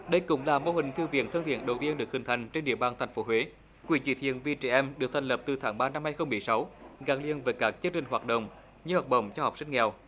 đây cũng là mô hình thư viện thân thiện đầu tiên được hình thành trên địa bàn thành phố huế quỹ chí thiện vì trẻ em được thành lập từ tháng ba năm hai không mười sáu gắn liền với các chương trình hoạt động như học bổng cho học sinh nghèo